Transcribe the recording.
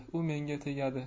u menga tegadi